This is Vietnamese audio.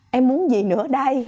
em muốn gì nữa đây